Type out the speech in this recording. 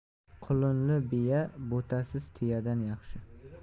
qulunli biya bo'tasiz tuyadan yaxshi